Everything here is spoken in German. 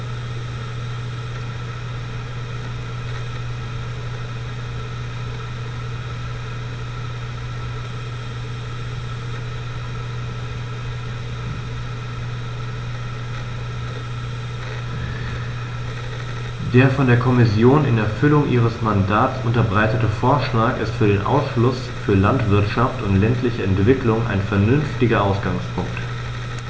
Der von der Kommission in Erfüllung ihres Mandats unterbreitete Vorschlag ist für den Ausschuss für Landwirtschaft und ländliche Entwicklung ein vernünftiger Ausgangspunkt.